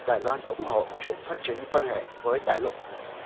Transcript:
đài loan ủng hộ chuyện phát triển quan hệ với đại lục